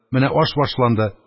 Менә аш башланды